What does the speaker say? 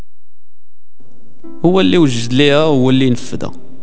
هو اللي ليا واللي نفذه